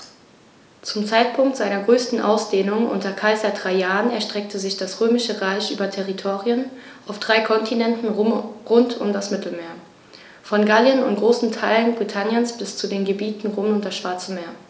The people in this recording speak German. Zum Zeitpunkt seiner größten Ausdehnung unter Kaiser Trajan erstreckte sich das Römische Reich über Territorien auf drei Kontinenten rund um das Mittelmeer: Von Gallien und großen Teilen Britanniens bis zu den Gebieten rund um das Schwarze Meer.